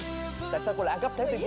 tại sao cô lại ăn cắp trái tim